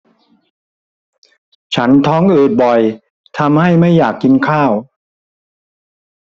ฉันท้องอืดบ่อยทำให้ไม่อยากกินข้าว